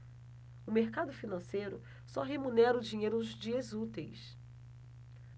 o mercado financeiro só remunera o dinheiro nos dias úteis